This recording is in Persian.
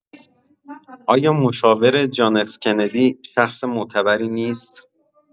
آیا مشاور جان اف کندی شخص معتبری نیست؟